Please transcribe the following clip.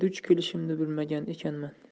duch kelishimni bilmagan ekanman